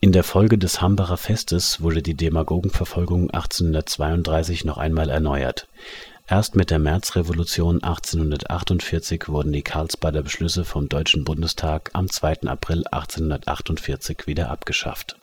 der Folge des Hambacher Festes wurde die Demagogenverfolgung 1832 noch einmal erneuert. Erst mit der Märzrevolution 1848 wurden die Karlsbader Beschlüsse vom Deutschen Bundestag am 2. April 1848 wieder abgeschafft